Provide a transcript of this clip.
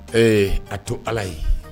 Ee a to ala ye